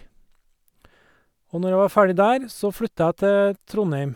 Og når jeg var ferdig der, så flytta jeg til Trondheim.